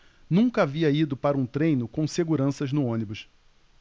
nunca havia ido para um treino com seguranças no ônibus